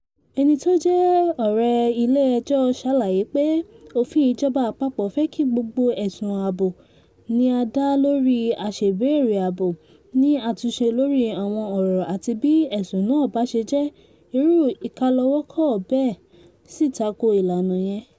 Ẹni tó jẹ́ Ọ̀rẹ́ ilé ẹjọ́ ṣàlàyé pé "Òfin ìjọba àpapọ̀ fẹ́ kí gbogbo ẹ̀sùn ààbò ni a dá lórí aṣèbéèrè àbò ní àtúnṣe lóri àwọn ọ̀rọ̀ àti bí ẹ̀sùn náà bá ṣe jẹ́, irú ìkálọ́wọ́kò bẹ́ẹ̀ sì tako ìlànà yẹn"